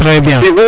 Trés bien